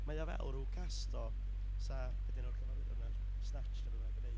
Mae o fel ryw cast o... 'sa, be di enw'r cyfarwyddwr yna? Snatch neu beth neu be bynnag yn wneud